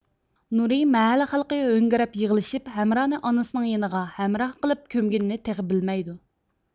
نۇرى مەھەللە خەلقى ھۆڭگىرەپ يىغلىشىپ ھەمرانى ئانىسىنىڭ يېنىغا ھەمراھ قىلىپ كۆمگىنىنى تېخى بىلمەيدۇ